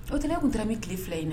O tɛ tun tɛ ni tile fila in na